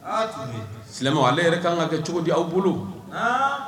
Silamɛ ale yɛrɛ ka kan ka kɛ cogo di aw bolo